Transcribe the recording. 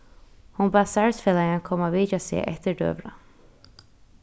hon bað starvsfelagan koma at vitja seg eftir døgurða